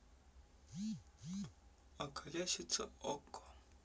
околесица okko